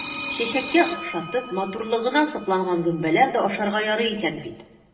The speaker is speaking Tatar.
Чәчәккә охшатып, матурлыгына сокланган гөмбәләр дә ашарга ярый икән бит!